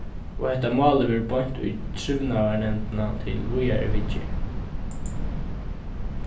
og hetta málið verður beint í trivnaðarnevndina til víðari viðgerð